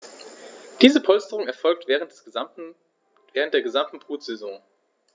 Diese Polsterung erfolgt während der gesamten Brutsaison.